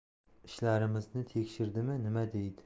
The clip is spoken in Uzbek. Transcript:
ishlarimizni tekshirdimi nima deydi